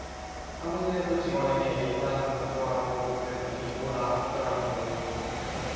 사무실에서 직원에게 에이사 좀 가져와라고 그랬더니 못 알아듣더라는 거예요